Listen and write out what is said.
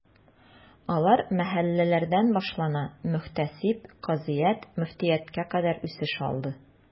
Алар мәхәлләләрдән башлана, мөхтәсиб, казыят, мөфтияткә кадәр үсеш алды.